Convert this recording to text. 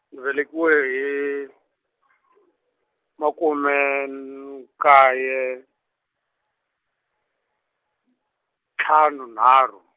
ni velekiwe hi , makume, n- nkaye, ntlhanu nharhu.